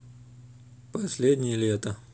последнее лето